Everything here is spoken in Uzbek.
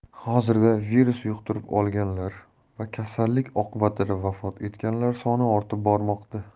hozirda virus yuqtirib olganlar va kasallik oqibatida vafot etganlar soni ortib bormoqda